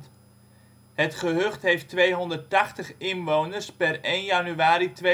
Het gehucht heeft 280 inwoners (per 1 januari 2010